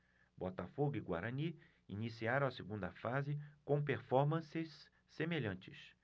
botafogo e guarani iniciaram a segunda fase com performances semelhantes